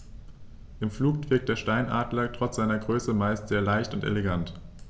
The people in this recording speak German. Im Flug wirkt der Steinadler trotz seiner Größe meist sehr leicht und elegant.